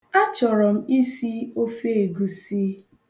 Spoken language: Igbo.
Achọrọ m isi ofe egwusi.